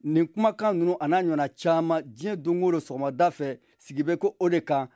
nin kumakan ninnu an'a ɲɔgɔnna caman diɲɛ don o don sɔgɔmada fɛ sigi bɛ kɛ o de kan